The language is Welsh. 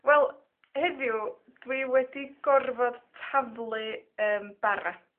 Wel, heddiw, dwi wedi gorfod taflu 'yn bara.